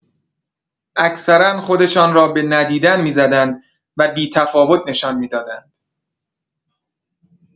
اکثرا خودشان را به ندیدن می‌زدند و بی‌تفاوت نشان می‌دادند.